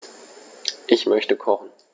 Ich möchte kochen.